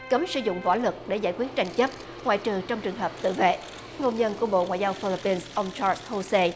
cấm sử dụng võ lực để giải quyết tranh chấp ngoại trừ trong trường hợp tự vệ ngôn nhân của bộ ngoại giao phi líp pin ông chót hâu xê